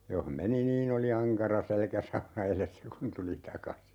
jos meni niin oli ankara selkäsauna edessä kun tuli takaisin